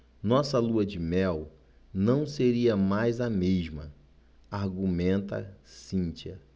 nossa lua-de-mel não seria mais a mesma argumenta cíntia